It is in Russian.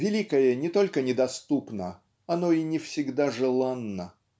Великое не только недоступно - оно и не всегда желанно.